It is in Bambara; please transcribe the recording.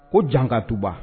Ko jan ka tuba